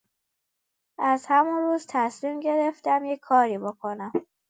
از همون روز تصمیم گرفتم یه کاری بکنم.